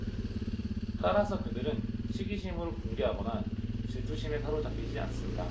따라서 그들은 시기심으로 분개하거나 질투심에 사로잡히지 않습니다